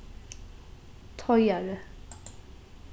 teigari